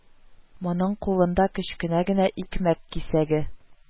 Моның кулында кечкенә генә икмәк кисәге